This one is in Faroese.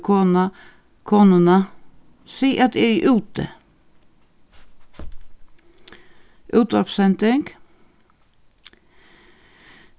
konuna konuna sig at eg eri úti útvarpssending